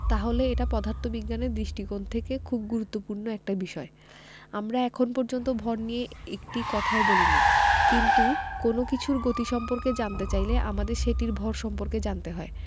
তাহলে এটা পদার্থবিজ্ঞানের দৃষ্টিকোণ থেকে খুব গুরুত্বপূর্ণ একটা বিষয় আমরা এখন পর্যন্ত ভর নিয়ে একটি কথাও বলিনি কিন্তু কোনো কিছুর গতি সম্পর্কে জানতে চাইলে আমাদের সেটির ভর সম্পর্কে জানতে হয়